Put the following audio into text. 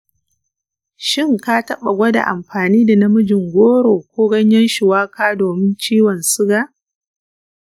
shin ka taɓa gwada amfani da naminji goro ko ganyen shuwaka domin ciwon suga?